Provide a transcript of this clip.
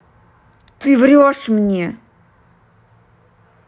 ты врешь мне